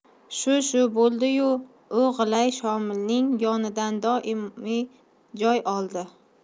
shu shu bo'ldi yu u g'ilay shomilning yonidan doimiy joy oldi